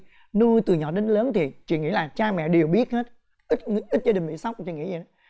nuôi từ nhỏ đến lớn thì chị nghĩ là cha mẹ đều biết hết ít ít gia đình bị sốc chị nghĩ dậy đó